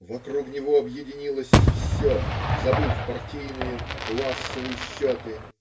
Вокруг него объединилось все, забыв партийные, классовые счеты.